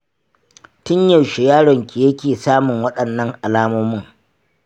tin yaushe yaron ki yake samun waɗannan alamomin?